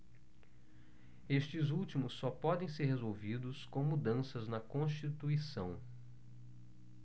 estes últimos só podem ser resolvidos com mudanças na constituição